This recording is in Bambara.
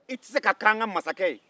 i te se ka kɛ an ka masakɛ ye